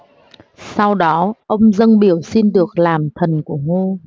sau đó ông dâng biểu xin được làm thần của ngô